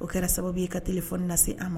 O kɛra sababu ye ka teli fɔ na se a ma